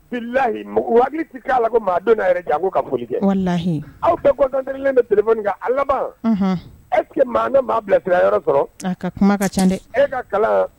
Bi lahi hakili k' la ko maadenw yɛrɛ jango kahi aw bɛtlen a laban e tɛ maa ne maa bilasira yɔrɔ sɔrɔ ka kuma ca e ka kalan